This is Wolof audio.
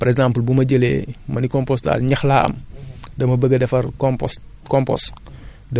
léegi loolu boo ko bëggoon def tay jii par exemple bu ma jëlee ma ni compostage ñax laa am